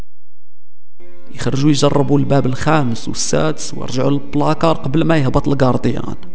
كروزر ابو الباب الخامس والسادس وارجع لك قبل ما يهبط الجارديان